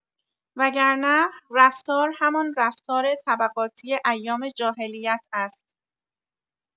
وگرنه رفتار همان رفتار طبقاتی ایام جاهلیت است.